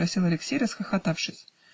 -- спросил Алексей, расхохотавшись.